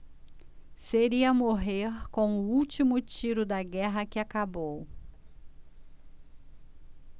seria morrer com o último tiro da guerra que acabou